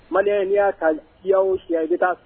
Malien ni ya ta siya wo siya i bi taa sɔrɔ